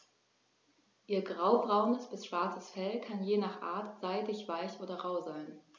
Ihr graubraunes bis schwarzes Fell kann je nach Art seidig-weich oder rau sein.